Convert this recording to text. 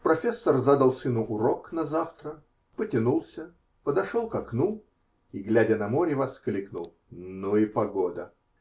Профессор задал сыну урок на завтра, потянулся, подошел к окну и, глядя на море, воскликнул: -- Ну и погода!